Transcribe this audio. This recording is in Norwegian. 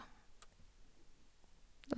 Det...